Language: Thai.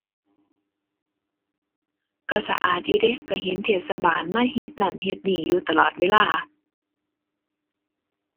ก็สะอาดอยู่เดะ ก็เห็นเทศบาลมาเฮ็ดนั่นเฮ็ดนี่อยู่ตลอดเวลา